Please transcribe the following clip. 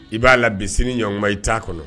I b'a la bi ɲɔnma i t'a kɔnɔ